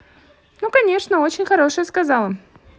ну конечно очень хорошее сказала